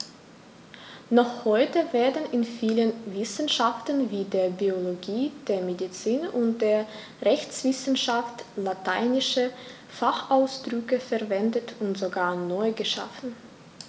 Noch heute werden in vielen Wissenschaften wie der Biologie, der Medizin und der Rechtswissenschaft lateinische Fachausdrücke verwendet und sogar neu geschaffen.